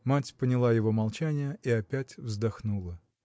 Мать поняла его молчание и опять вздохнула.